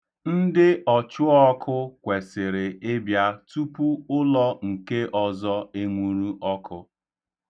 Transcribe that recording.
Ndị ọchụọkụ kwesịrị ịbịa tupu ụlọ nke ọzọ enwuru ọkụ.